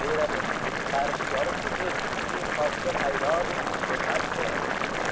berahm tun qarini yorib o'tib uning qoshida paydo bo'lgim kelmasdi